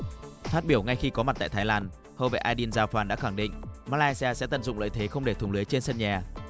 phát biểu ngay khi có mặt tại thái lan hậu vệ ai đin da van đã khẳng định ma lai si a sẽ tận dụng lợi thế không để thủng lưới trên sân nhà